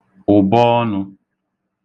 ụ̀bọọnụ̄